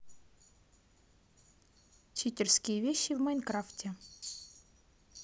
читерские вещи в майнкрафте